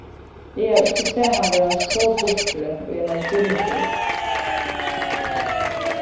eg havi ikki sæð hann vera so burturi í einari kvinnu fyrr